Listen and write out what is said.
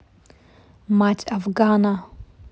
мать афгана